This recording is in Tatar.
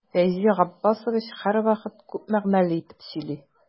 Фәйзи Габбасович һәрвакыт күп мәгънәле итеп сөйли.